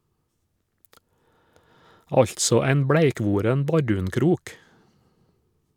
Altså ein bleikvoren bardunkrok.